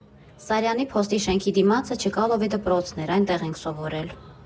Սարյանի փոստի շենքի դիմացը Չկալովի դպրոցն էր՝ այնտեղ ենք սովորել։